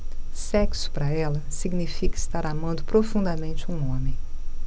sexo para ela significa estar amando profundamente um homem